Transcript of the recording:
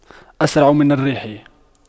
أسرع من الريح